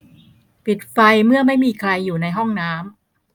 ปิดไฟเมื่อไม่มีใครอยู่ในห้องน้ำ